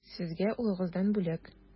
Сезгә улыгыздан бүләк.